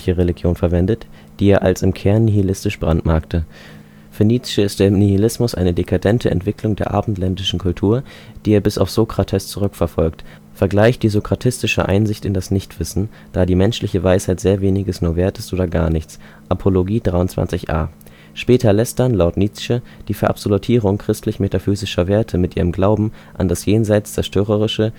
Religion verwendet, die er als im Kern nihilistisch brandmarkte. Für Nietzsche ist der Nihilismus eine dekadente Entwicklung der abendländischen Kultur, die er bis auf Sokrates zurückverfolgt (vgl. die Sokratische Einsicht in das Nichtwissen, „ da die menschliche Weisheit sehr weniges nur wert ist oder gar nichts “; Apologie, 23a). Später lässt dann, laut Nietzsche, die Verabsolutierung christlich-metaphysischer Werte mit ihrem Glauben an das Jenseits zerstörerische